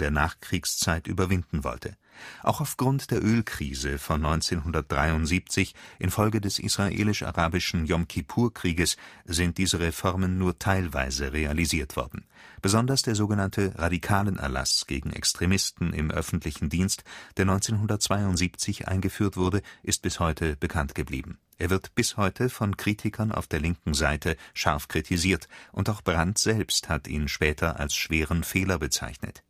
Nachkriegszeit überwinden wollte. Auch aufgrund der Ölkrise von 1973 infolge des israelisch-arabischen Jom-Kippur-Krieges sind diese Reformen nur teilweise realisiert worden. Besonders der sogenannte „ Radikalenerlass “gegen Extremisten im öffentlichen Dienst, der 1972 eingeführt wurde, ist bis heute bekannt geblieben. Er wird bis heute von Kritikern auf der linken Seite scharf kritisiert und auch Brandt selbst hat ihn später als schweren Fehler bezeichnet